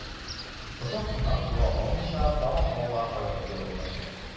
Озак кунак була алмыйча, тагын авылга кайтып егылдым...